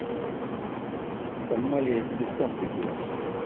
hammali я тебе сам придет